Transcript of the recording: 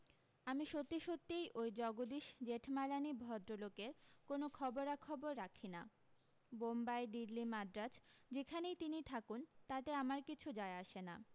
আমি সত্যি সত্যিই ওই জগদীশ জেঠমালানি ভদ্রলোকের কোনো খবরা খবর রাখি না বোম্বাই দিল্লী মাদ্রাজ যেখানেই তিনি থাকুন তাতে আমার কিছু যায় আসে না